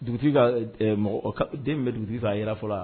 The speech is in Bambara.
Dugutigi ka den bɛ dugutigi a yɛrɛ fɔlɔ yan